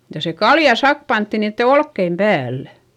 ja se kaljan sakka pantiin niiden olkien päällä